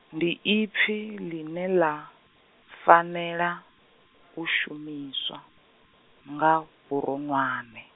ndi ipfi ḽine ḽa, fanela, u shumiswa, nga, vhuronwane.